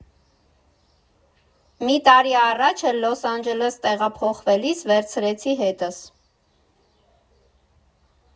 Մի տարի առաջ էլ Լոս Անջելես տեղափոխվելիս վերցրեցի հետս։